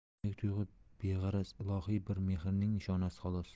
mendagi tuyg'u beg'araz ilohiy bir mehrning nishonasi xolos